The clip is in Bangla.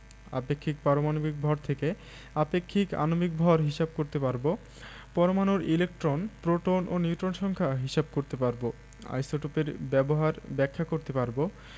আপেক্ষিক পারমাণবিক ভর থেকে আপেক্ষিক আণবিক ভর হিসাব করতে পারব পরমাণুর ইলেকট্রন প্রোটন ও নিউট্রন সংখ্যা হিসাব করতে পারব আইসোটোপের ব্যবহার ব্যাখ্যা করতে পারব